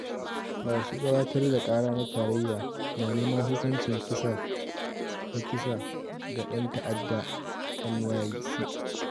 Masu gabatar da kara na tarayya na neman hukuncin kisa na kisa ga dan ta’adda NYC